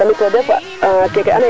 mais a ɗoma nga xana moso fel